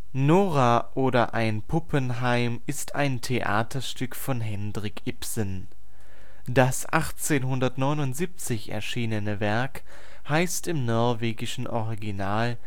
Nora oder Ein Puppenheim ist ein Theaterstück von Henrik Ibsen. Das 1879 erschienene Werk heißt im norwegischen Original